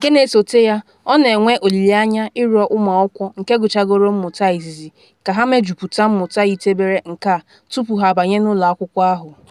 Nke na-esote ya, ọ na-enwe olile anya ịrịọ ụmụ akwụkwọ ndị gụchagoro mmụta izizi ka ha mejuputa mmụta yitebere nke a tupu ha abanye n’ụlọ akwụkwọ ahụ.